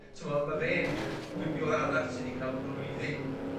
t'mo ma' fe'n yy wibiwr arall sy 'di ca'l blwyddyn